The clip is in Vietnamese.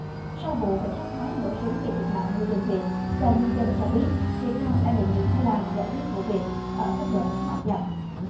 sau vụ cảnh sát thái nổ súng gây thiệt mạng ngư dân việt tờ nhân dân cho biết việt nam đã đề nghị thái lan giải quyết vụ việc ở cấp độ ngoại giao